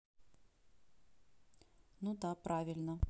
ну да правильно